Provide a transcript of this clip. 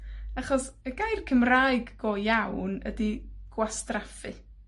Achos y gair Cymraeg go iawn ydy gwastraffu.